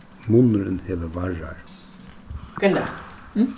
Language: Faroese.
munnurin hevur varrar